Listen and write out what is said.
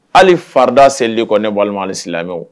Hali farida senlen kɔ ne walimasi